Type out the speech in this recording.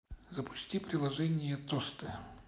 запусти приложение тосты